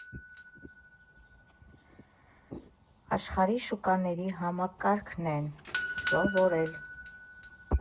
Աշխարհի շուկաների համակարգն են սովորել.